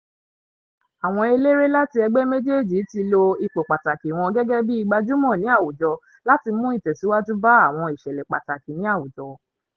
Àwọn eléré láti ẹgbẹ́ méjéèjì tí lo ipò pàtàkì wọn gẹ́gẹ́ bíi gbajúmọ̀ ní àwùjọ láti mú ìtẹ̀síwájú bá àwọn ìṣẹ̀lẹ̀ pàtàkì ní àwùjọ.